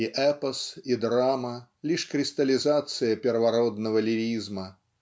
И эпос, и драма - лишь кристаллизация первородного лиризма.